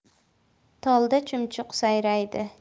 tolda chumchuq sayraydi